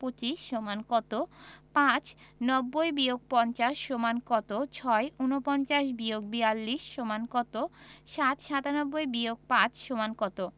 ২৫ = কত ৫ ৯০-৫০ = কত ৬ ৪৯-৪২ = কত ৭ ৯৭-৫ = কত